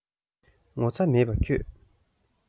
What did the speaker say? ངོ ཚ མེད པ ཁྱོད